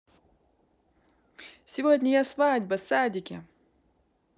сегодня я свадьба садики